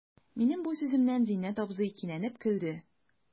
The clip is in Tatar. Минем бу сүземнән Зиннәт абзый кинәнеп көлде.